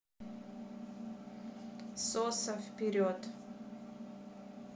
coca вперед